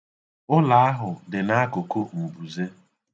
Ụlọ ahụ dị n'akụkụ mbuze.̣